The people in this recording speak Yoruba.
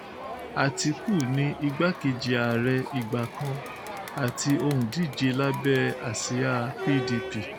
Abubakar ni igbá-kejì ààrẹ ìgbà kan àti òǹdíje lábẹ́ àsíá PDP.